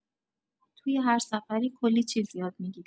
توی هر سفری کلی چیز یاد می‌گیری.